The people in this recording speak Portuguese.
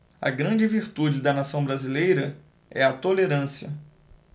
a grande virtude da nação brasileira é a tolerância